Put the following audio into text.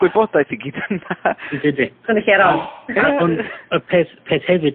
...gwybodaeth i gyd yna. Ydi di. Yn y lle rong. Ie ie. A ond y peth peth hefyd